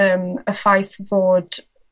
yym y ffaith bod...